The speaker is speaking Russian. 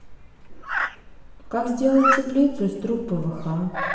как сделать теплицу из труб пвх